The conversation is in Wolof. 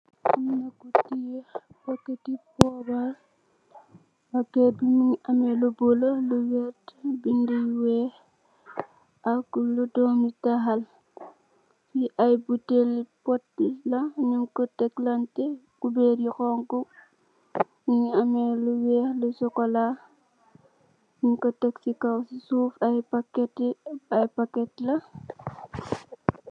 Amna ku tiyeh packeti pobarr, packet bii mungy ameh lu bleu, lu wehtt, bindu yu wekh ak lu dormi taal, yii aiiy butehli poti la njung kor teglanteh, couberre yu honhu, mungy ameh lu wekh, lu chocolat, njung kor tek cii kaw, cii suff aiiy packeti aiiy packet la.